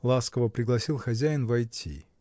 — ласково пригласил хозяин войти.